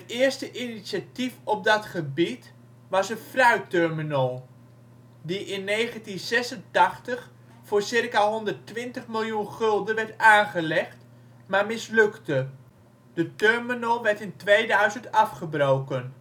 eerste initiatief op dat gebied was een fruitterminal, die in 1986 voor circa 120 miljoen gulden werd aangelegd, maar mislukte. De terminal werd in 2000 afgebroken